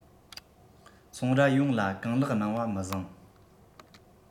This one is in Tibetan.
ཚོང རྭ ཡོངས ལ གང ལེགས གནང བ མི བཟང